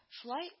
Шулай